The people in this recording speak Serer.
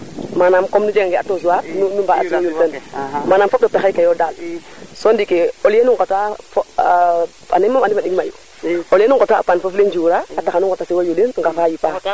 manam comme nu njega nge a tosuwar nu mbanda a yula siwo ke fop no pexey keyo daal so ndiiki au lieu nu ngota fo a ande mi moom andim na ɗing mayu au lieu nu ngfota a paaam foof le njura xanu ngota siwo yondin ngafa yonda